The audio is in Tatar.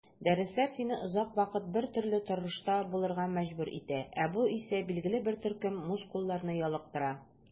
Дәресләр сине озак вакыт бертөрле торышта булырга мәҗбүр итә, ә бу исә билгеле бер төркем мускулларны ялыктыра.